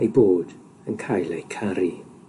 eu bod yn cael eu caru.